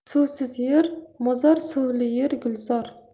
suvsiz yer mozor suvli yer gulzor